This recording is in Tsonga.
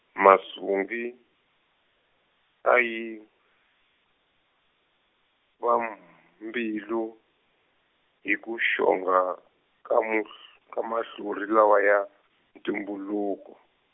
masungi a yiwa m-, mbilu hi ku xonga ka muhl-, ka mahlori lawa ya ntumbuluko.